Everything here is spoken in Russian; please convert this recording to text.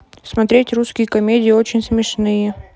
смотреть русские комедии очень смешные